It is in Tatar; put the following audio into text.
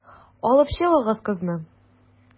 Алып чыгыгыз кызны.